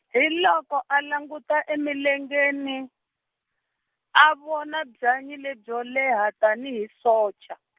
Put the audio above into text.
hi loko a languta emilengeni, a vona byanyi lebyo leha tanihi socha .